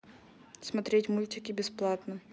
смотреть мультики бесплатно